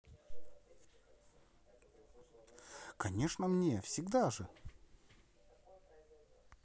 конечно мне всегда же